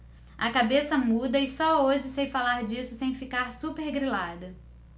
a cabeça muda e só hoje sei falar disso sem ficar supergrilada